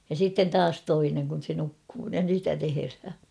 ja sitten taas toinen kun se nukkuu ja sitä tehdään